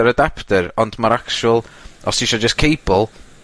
ar adapter, ond ma'r actual os tisio jyst cebl